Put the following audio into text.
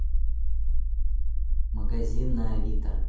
магазин на авито